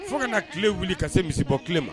Fo ka na tile wili ka se misi bɔ tile ma